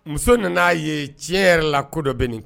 Muso nana'a ye tiɲɛ yɛrɛ la ko dɔ bɛ